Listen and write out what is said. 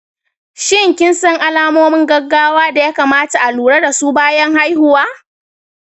shin kin san alamomin gaggawa da ya kamata a lura da su bayan haihuwa?